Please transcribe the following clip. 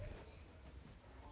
зеленая мармеладный мишка песня